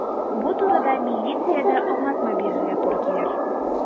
Бу турыда милициядә аңлатма бирергә туры килер.